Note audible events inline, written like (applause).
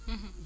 (hesitation) (hesitation)